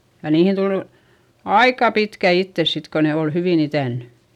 ja niihin tuli aika pitkät iteet sitten kun ne oli hyvin itänyt